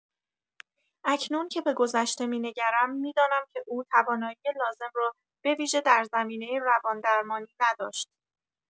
اکنون که به گذشته می‌نگرم، می‌دانم که او توانایی لازم را به‌ویژه در زمینه روان‌درمانی نداشت.